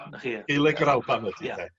'Na chi. Gaeleg yr Alban ydi ynde?